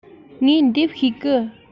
ངས འདེབས ཤེས གི